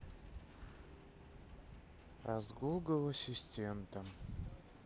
а с гугл ассистентом